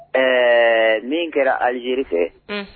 Ɛɛ min kɛra a jiri fɛ